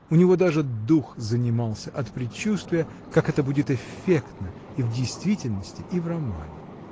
У него даже дух занимался от предчувствия, как это будет эффектно и в действительности, и в романе.